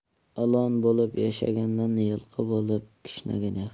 ilon bo'lib yashagandan yilqi bo'lib kishnagan yaxshi